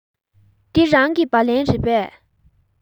འདི རང གི སྦ ལན རེད པས